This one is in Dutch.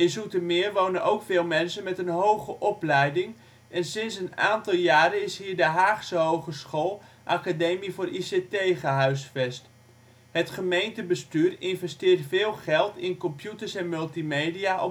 Zoetermeer wonen ook veel mensen met een hoge opleiding en sinds een aantal jaar is hier de Haagse Hogeschool (HHS) - Academie voor ICT gehuisvest. Het gemeentebestuur investeert veel geld in computers en multimedia